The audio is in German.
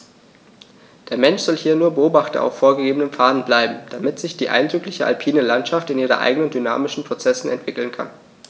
Der Mensch soll hier nur Beobachter auf vorgegebenen Pfaden bleiben, damit sich die eindrückliche alpine Landschaft in ihren eigenen dynamischen Prozessen entwickeln kann.